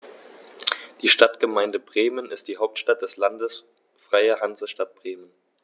Die Stadtgemeinde Bremen ist die Hauptstadt des Landes Freie Hansestadt Bremen.